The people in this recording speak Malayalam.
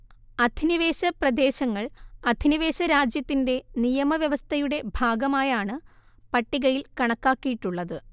അധിനിവേശപ്രദേശങ്ങൾ അധിനിവേശരാജ്യത്തിന്റെ നിയമവ്യവസ്ഥയുടെ ഭാഗമായാണ് പട്ടികയിൽ കണക്കാക്കിയിട്ടുള്ളത്